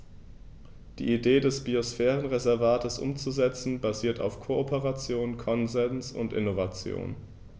Die Idee des Biosphärenreservates umzusetzen, basiert auf Kooperation, Konsens und Innovation.